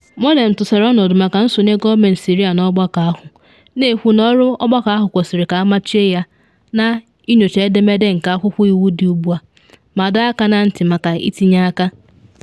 Moualem tụsara ọnọdụ maka nsonye gọọmentị Syria n’ọgbakọ ahụ, na ekwu na ọrụ ọgbakọ ahụ kwesịrị ka amachie ya na “inyocha edemede nke akwụkwọ iwu dị ugbu a,” ma dọọ aka na ntị maka itinye aka.